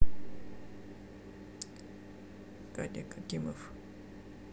кадик акимов